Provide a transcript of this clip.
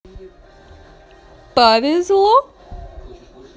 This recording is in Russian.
повезло